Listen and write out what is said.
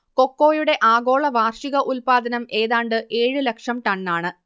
കൊക്കോയുടെ ആഗോള വാർഷിക ഉൽപാദനം ഏതാണ്ട് ഏഴ് ലക്ഷം ടണ്ണാണ്